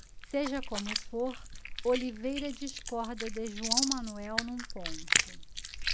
seja como for oliveira discorda de joão manuel num ponto